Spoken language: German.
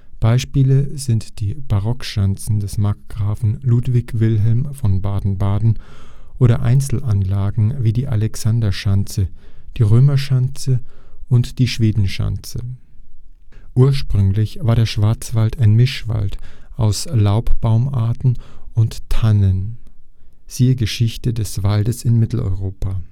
Beispiele sind die Barockschanzen des Markgrafen Ludwig Wilhelm von Baden-Baden oder Einzelanlagen wie die Alexanderschanze, die Röschenschanze und die Schwedenschanze (Zuflucht). Ursprünglich war der Schwarzwald ein Mischwald aus Laubbaumarten und Tannen – siehe Geschichte des Waldes in Mitteleuropa